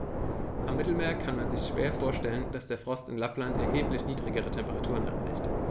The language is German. Am Mittelmeer kann man sich schwer vorstellen, dass der Frost in Lappland erheblich niedrigere Temperaturen erreicht.